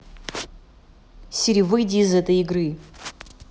сири выйди из этой игры